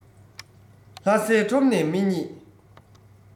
ལྷ སའི ཁྲོམ ནས མི རྙེད